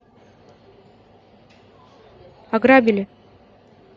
ограбили